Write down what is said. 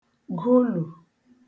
gụlù